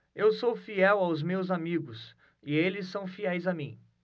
eu sou fiel aos meus amigos e eles são fiéis a mim